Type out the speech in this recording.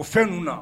O fɛn ninnu na